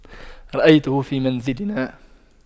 رأيته في منزلنا